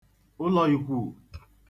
ụlọīkwūù